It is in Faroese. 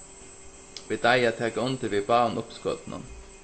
vit eiga at taka undir við báðum uppskotunum